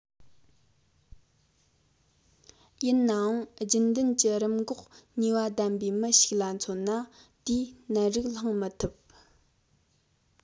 ཡིན ནའང རྒྱུན ལྡན གྱི རིམས འགོག ནུས པ ལྡན པའི མི ཞིག ལ མཚོན ན དེས ནད རིགས སློང མི ཐུབ